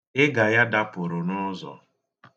Ịga ya dapụrụ n'ụzọ